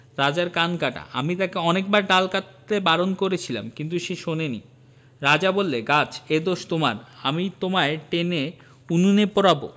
রাজার কান কাটা আমি তাকে অনেকবার ডাল কাটতে বারণ করেছিলাম কিন্তু সে শোনেনি রাজা বললেন গাছ এ দোষ তোমার আমি তোমায় টেনে উনুনে পোড়াব